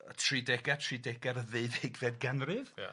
y tridega tridega a'r ddeuddegfed ganrif... Ia...